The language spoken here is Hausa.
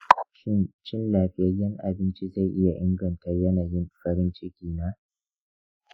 shin cin lafiyayyen abinci zai iya inganta yanayin farin ciki na?